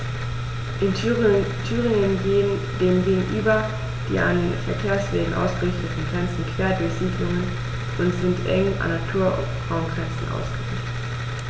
In Thüringen gehen dem gegenüber die an Verkehrswegen ausgerichteten Grenzen quer durch Siedlungen und sind eng an Naturraumgrenzen ausgerichtet.